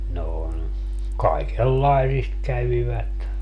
no ne kaikenlaisista kävivät